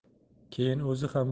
keyin o'zi ham